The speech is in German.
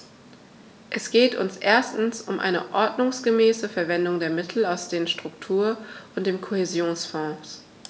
Es geht uns erstens um eine ordnungsgemäße Verwendung der Mittel aus den Struktur- und dem Kohäsionsfonds.